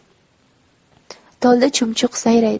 tolda chumchuq sayraydi